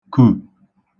kù